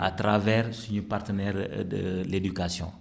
à travers suñu partenaire de l' éducation